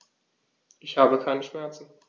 Ich habe keine Schmerzen.